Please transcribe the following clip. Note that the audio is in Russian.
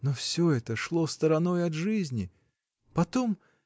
Но всё это шло стороной от жизни. Потом.